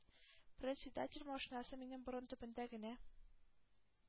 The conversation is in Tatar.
Председатель машинасы минем борын төбендә генә